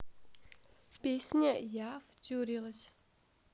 песня я втюрилась